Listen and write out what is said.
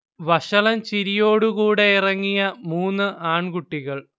വഷളൻ ചിരിയോടെ കൂടെ ഇറങ്ങിയ മൂന്നു ആൺകുട്ടികൾ